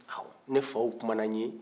awɔ ne faw kumana n ye